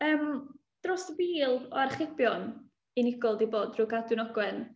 Yym dros fil o archebion unigol 'di bod drwy Cadwyn Ogwen.